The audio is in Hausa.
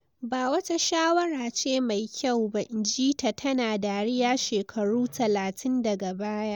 "Ba wata shawara ce mai kyau ba," in ji ta tana dariya shekaru 30 daga baya.